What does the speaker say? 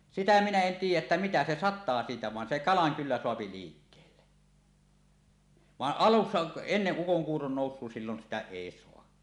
sitä minä en tiedä että mitä se sataa siitä vaan se kalan kyllä saa liikkeelle vaan alussa ennen ukonkuuron nousua silloin sitä ei saa